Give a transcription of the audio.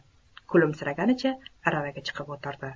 kulimsiraganicha aravaga chiqib o'tirdi